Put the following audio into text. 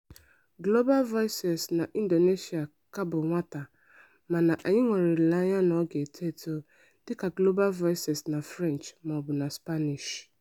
Global Voices na Indonesian ka bụ nwata mana anyị nwere olileanya na ọ ga-eto eto dịka Global Voices na French maọbụ na Spanish.